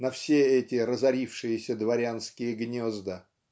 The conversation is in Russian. на все эти разорившиеся дворянские гнезда.